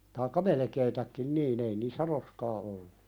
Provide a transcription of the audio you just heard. tai melkein niin ei niissä roskaa ollut